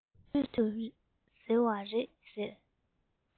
དུས སུ ཟེར བ རེད ཟེར